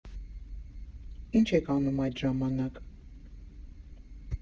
Ի՞նչ եք անում այդ ժամանակ».